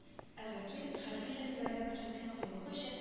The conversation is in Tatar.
Ә закир хәрби өйрәнүләрдә күрсәткән кыюлыгы өчен